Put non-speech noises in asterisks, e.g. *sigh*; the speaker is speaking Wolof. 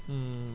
*hesitation* *hesitation* *hesitation*